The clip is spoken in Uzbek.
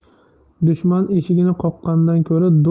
dushman eshigini qoqqandan ko'ra